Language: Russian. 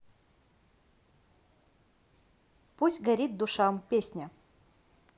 пусть горит душам песня